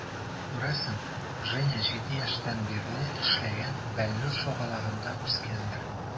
Күрәсең, Женя 7 яшьтән бирле эшләгән "Бәллүр" шугалагында үскәндер.